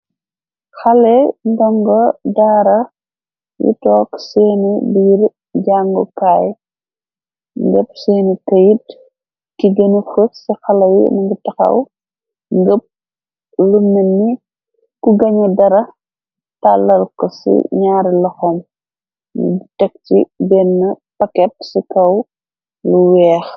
Xale nangu daara yi took seeni biir jangukaay ngepp seeni keyet ku gëni fef ci xale yi muge taxaw ngëpp lu melne ku gañe dara tàllal ko ci ñaari loxom ye nu tek ci benn paket ci kaw lu weex.